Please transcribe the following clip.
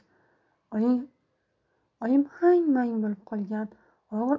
oyim hang mang bo'lib qolgan